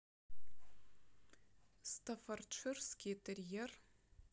стаффордширский терьер